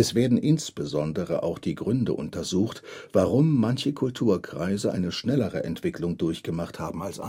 werden insbesondere auch die Gründe untersucht, warum manche Kulturkreise eine schnellere Entwicklung durchgemacht haben als